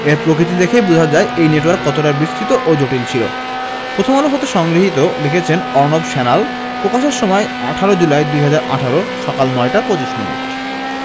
এর প্রকৃতি দেখেই বোঝা যায় এই নেটওয়ার্ক কতটা বিস্তৃত ও জটিল ছিল প্রথম আলো হতে সংগৃহীত লিখেছেন অর্ণব স্যান্যাল প্রকাশের সময় ১৮ জুলাই ২০১৮ সকাল ৯টা ২৫ মিনিট